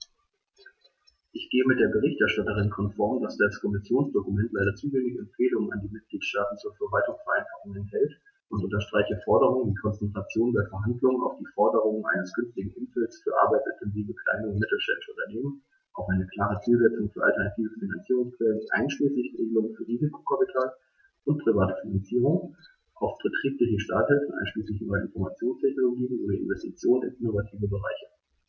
Ich gehe mit der Berichterstatterin konform, dass das Kommissionsdokument leider zu wenig Empfehlungen an die Mitgliedstaaten zur Verwaltungsvereinfachung enthält, und unterstreiche Forderungen wie Konzentration bei Verhandlungen auf die Förderung eines günstigen Umfeldes für arbeitsintensive kleine und mittelständische Unternehmen, auf eine klare Zielsetzung für alternative Finanzierungsquellen einschließlich Regelungen für Risikokapital und private Finanzierung, auf betriebliche Starthilfen einschließlich neuer Informationstechnologien sowie Investitionen in innovativen Bereichen.